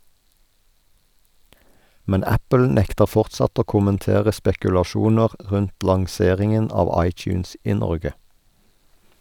Men Apple nekter fortsatt å kommentere spekulasjoner rundt lanseringen av iTunes i Norge.